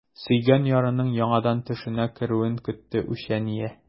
Сөйгән ярының яңадан төшенә керүен көтте үчәния.